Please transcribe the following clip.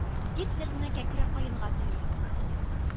Гитлерны кәкре каенга тери.